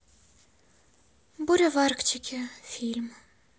буря в арктике фильм